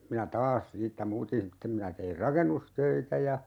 minä taas siitä muutin sitten minä tein rakennustöitä ja